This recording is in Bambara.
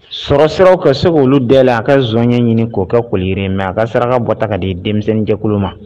Sɔrɔ siraw ka se k'olu de layɛlɛ a ka zɔɲɛ ɲini k'o kɛ koli jiri mais a ka saraka bɔ ta ka di denmisɛnninjɛkulu ma.